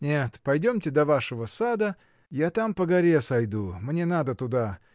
— Нет, дойдемте до вашего сада, я там по горе сойду, мне надо туда.